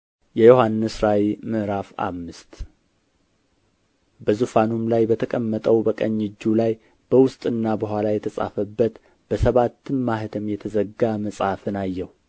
የዮሐንስ ራእይ ምዕራፍ አምስት በዙፋኑ ላይም በተቀመጠው በቀኝ እጁ ላይ በውስጥና በኋላ የተጻፈበት በሰባትም ማኅተም የተዘጋ መጽሐፍን አየሁ